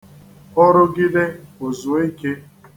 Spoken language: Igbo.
Ọ rụgide, o zuo ike.